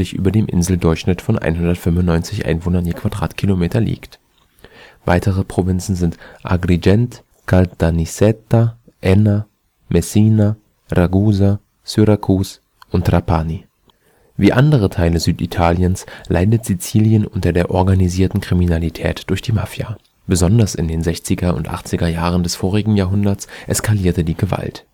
über dem Inseldurchschnitt von 195 Einwohnern je km² liegt. Weitere Provinzen sind Agrigent, Caltanissetta, Enna, Messina, Ragusa, Syrakus und Trapani. Wie andere Teile Süditaliens leidet Sizilien unter der organisierten Kriminalität durch die Mafia. Besonders in den 60er und 80er Jahren des vorigen Jahrhunderts eskalierte die Gewalt